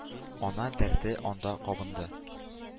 Ана дәрте анда кабынды.